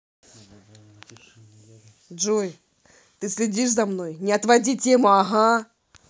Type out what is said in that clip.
джой ты следишь за мной не отводи тему ага